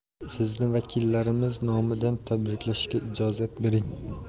sizni vakillarimiz nomidan tabriklashga ijozat bering